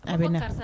A bɛ na